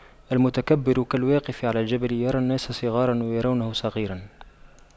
المتكبر كالواقف على الجبل يرى الناس صغاراً ويرونه صغيراً